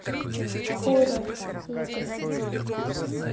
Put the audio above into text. хоррор игры